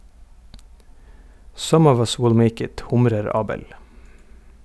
- «Some of us will make it», humrer Abel.